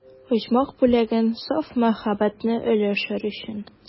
Оҗмах бүләген, саф мәхәббәтне өләшер өчен.